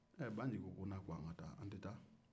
baa nci ko n'a ko an ka taa an tɛ taa